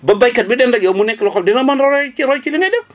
ba béykat bi dend ak yow mu nekk loo xam ne dina mën a roy roy ci li ngay def